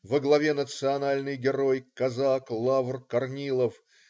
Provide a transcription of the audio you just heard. Во главе национальный герой, казак Лавр Корнилов.